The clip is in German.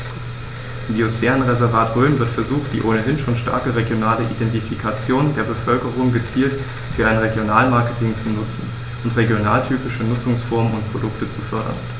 Im Biosphärenreservat Rhön wird versucht, die ohnehin schon starke regionale Identifikation der Bevölkerung gezielt für ein Regionalmarketing zu nutzen und regionaltypische Nutzungsformen und Produkte zu fördern.